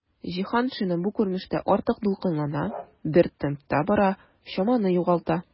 Җиһаншина бу күренештә артык дулкынлана, бер темпта бара, чаманы югалта.